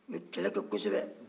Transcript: u ye kɛlɛ kɛ kosɛbɛ